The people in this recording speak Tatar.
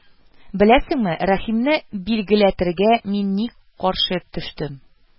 Беләсеңме, Рәхимне билгеләтергә мин ник каршы төштем